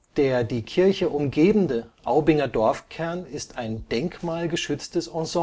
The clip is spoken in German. Der die Kirche umgebende Aubinger Dorfkern ist ein denkmalgeschütztes Ensemble